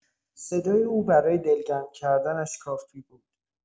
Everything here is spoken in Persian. صدای او برای دلگرم کردنش کافی بود.